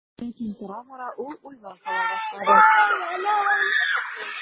Ләкин тора-бара ул уйга кала башлады.